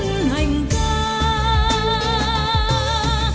hành ca